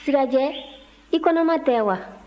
sirajɛ i kɔnɔma tɛ wa